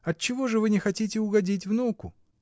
Отчего же вы не хотите угодить внуку?